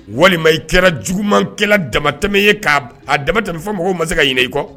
Walima i kɛra jugumankɛla damatɛmɛ ye ka a dama tɛmɛ fo mɔgɔw ma se ka ɲinɛ i kɔ?